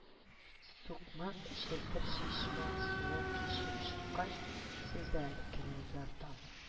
Сукмак, челтер чишмә суын кичеп чыккач, сөзәк кенә ярдан